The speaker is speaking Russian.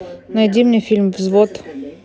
найди мне фильм взвод